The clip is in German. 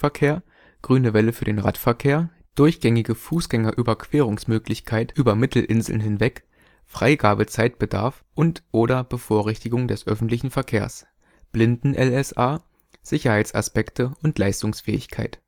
Kraftfahrzeug-Verkehr, grüne Welle für den Radverkehr, durchgängige Fußgängerüberquerungsmöglichkeit über Mittelinseln hinweg, Freigabezeitbedarf und/oder Bevorrechtigung des öffentlichen Verkehrs, Blinden-LSA, Sicherheitsaspekte und Leistungsfähigkeit